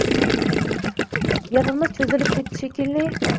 gapimiz cho'zilib ketdi shekilli